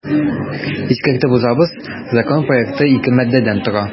Искәртеп узабыз, закон проекты ике маддәдән тора.